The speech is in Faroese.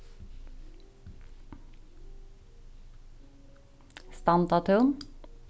strandatún